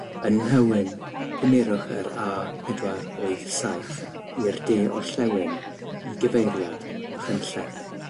Yn Nhywyn cymerwch yr a pedwar wyth saith i'r de orllewin i gyfeiriad Machynlleth.